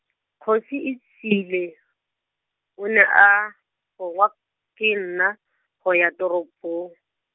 Kgosietsile, o ne a, rongwa ke nna, go ya teropong.